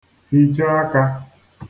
hìcha ākā